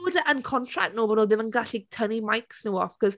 bod e yn contract nhw bo' nhw ddim yn gallu tynnu mics nhw off 'cause...